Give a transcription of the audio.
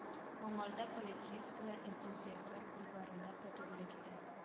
Аңарда полицейскийлар энтузиастлар бульварында патрульлек итә